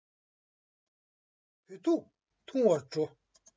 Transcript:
བོད ཐུག འཐུང བར འགྲོ